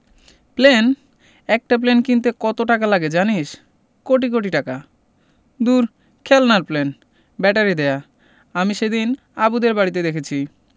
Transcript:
plane একটা plane কিনতে কত টাকা লাগে জানিস কোটি কোটি টাকা দূর খেলনার প্লেন ব্যাটারি দেয়া আমি সেদিন আবুদের বাড়িতে দেখেছি